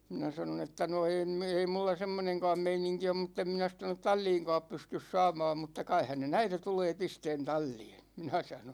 minä sanoin että no en - ei minulla semmoinenkaan meininki ole mutta en minä sitä tuonne talliinkaan pysty saamaan mutta kai hänen äiti tulee pistämään talliin minä sanoin